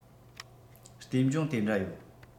ལྟོས འབྱུང དེ འདྲ ཡོད